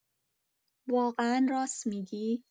واقعا راست می‌گی؟